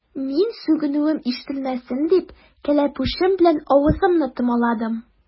Мин, сүгенүем ишетелмәсен дип, кәләпүшем белән авызымны томаладым.